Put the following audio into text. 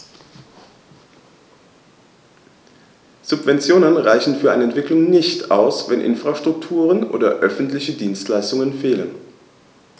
Subventionen reichen für eine Entwicklung nicht aus, wenn Infrastrukturen oder öffentliche Dienstleistungen fehlen.